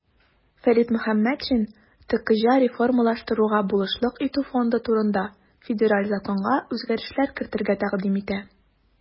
Фәрит Мөхәммәтшин "ТКҖ реформалаштыруга булышлык итү фонды турында" Федераль законга үзгәрешләр кертергә тәкъдим итә.